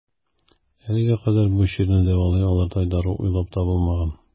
Әлегә кадәр бу чирне дәвалый алырдай дару уйлап табылмаган.